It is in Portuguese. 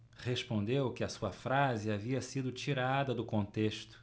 respondeu que a sua frase havia sido tirada do contexto